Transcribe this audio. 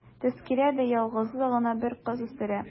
Тәзкирә дә ялгызы гына бер кыз үстерә.